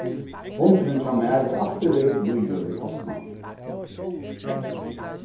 hundurin hjá mær hevur altíð verið blíður við postmannin